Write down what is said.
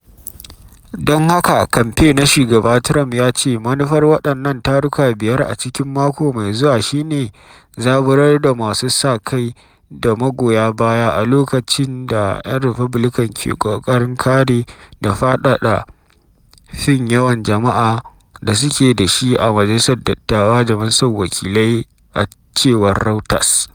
Don haka, kamfe na Shugaba Trump ya ce manufar waɗannan taruka biyar a cikin mako mai zuwan shi ne “zaburar da masu sa-kai da magoya baya a lokacin da ‘yan Republican ke ƙoƙarin kare da faɗaɗa fin yawan jama’a da suke da shi a Majalisar Dattawa da Majalisar Wakilai,” a cewar Reuters.